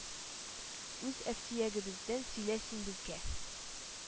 Үз әфтиягебездән сөйлә син безгә,-